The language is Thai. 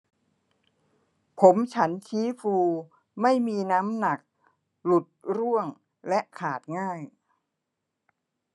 ผมฉันชี้ฟูไม่มีน้ำหนักหลุดร่วงและขาดง่าย